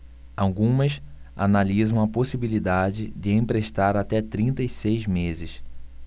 algumas analisam a possibilidade de emprestar até trinta e seis meses